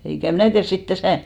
eikä minä tiedä sitten tässä